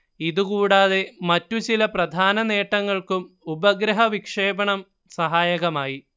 ഇതുകൂടാതെ മറ്റു ചില പ്രധാന നേട്ടങ്ങൾക്കും ഉപഗ്രഹവിക്ഷേപണം സഹായകമായി